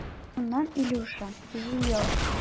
Шуннан, Илюша, җыел.